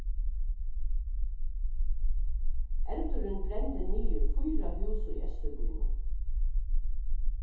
eldurin brendi niður fýra hús í eysturbýnum